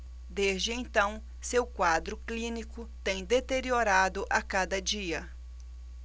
desde então seu quadro clínico tem deteriorado a cada dia